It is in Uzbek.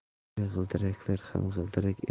go'yo g'ildiraklar ham g'ildirak